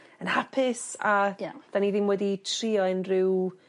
yn hapus a... Ie. ...'dan ni ddim wedi trio unryw